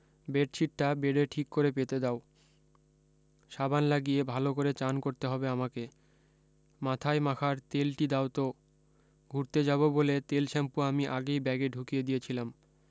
bed শিটটা বেডে ঠিক করে পেতে দাও সাবান লাগিয়ে ভালো করে চান করতে হবে আমাকে মাথায় মাখার তেল টি দাও তো ঘুরতে যাবো বলে তেল শ্যাম্পু আমি আগেই ব্যাগে ঢুকিয়ে দিয়েছিলাম